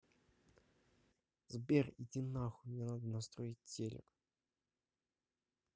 сбер иди нахуй мне надо настроить телек